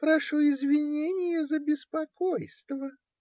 Прошу извинения за беспокойство.